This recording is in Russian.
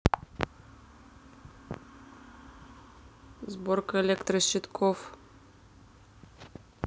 сборка электрощитков